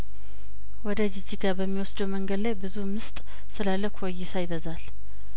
ወደ ጂጂጋ በሚወስደው መንገድ ላይ ብዙምስጥ ስላለኩይሳ ይበዛል